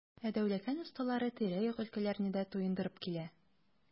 Ә Дәүләкән осталары тирә-як өлкәләрне дә туендырып килә.